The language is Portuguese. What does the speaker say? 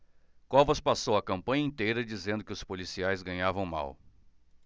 covas passou a campanha inteira dizendo que os policiais ganhavam mal